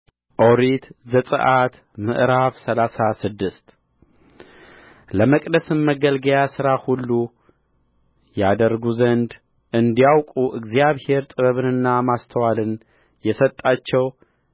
ኦሪት ዘጽአት ምዕራፍ ሰላሳ ስድስት ለመቅደስም ማገልገያ ሥራ ሁሉ ያደርጉ ዘንድ እንዲያውቁ እግዚአብሔር ጥበብንና ማስተዋልን የሰጣቸው